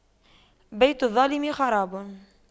بيت الظالم خراب